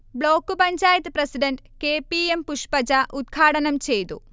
Block panchayat president K. P. M. Pushpaja ഉദ്ഘാടനംചെയ്തു